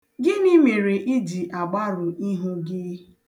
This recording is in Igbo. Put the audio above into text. Gịnị mere iji agbarụ ihu gị?